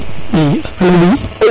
i alo oui